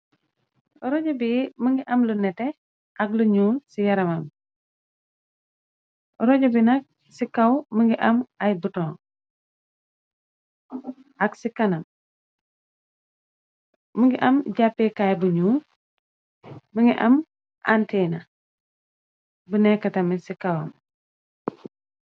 Rojo bi më ngi am lu nete ak lu ñu ci yaramam roj binak ci kaw më ngi am ay bhuton ak ci kanam më ngi am jàppekaay buñyul më ngi am antena bu nekktami ci kawam.